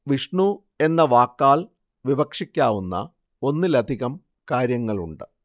വിഷ്ണു എന്ന വാക്കാൽ വിവക്ഷിക്കാവുന്ന ഒന്നിലധികം കാര്യങ്ങളുണ്ട്